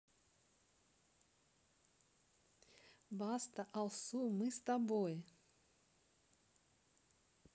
баста алсу мы с тобой